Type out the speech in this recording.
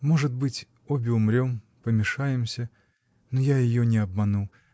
Может быть, обе умрем, помешаемся — но я ее не обману.